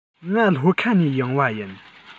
ང ལྷོ ཁ ནས ཡོང པ ཡིན